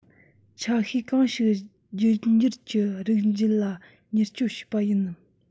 ཆ ཤས གང ཞིག རྒྱུད འགྱུར གྱི རིགས འབྱེད ལ ཉེར སྤྱོད བྱེད པ ཡིན ནམ